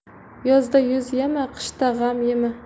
yozda yuz yama qishda g'am yema